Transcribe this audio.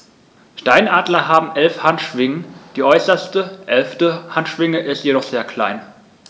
Steinadler haben 11 Handschwingen, die äußerste (11.) Handschwinge ist jedoch sehr klein.